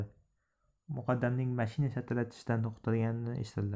muqaddamning mashina shatillatishdan to'xtagani eshitildi